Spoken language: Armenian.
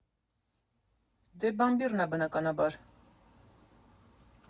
Դե Բամբիռն ա բնականաբար։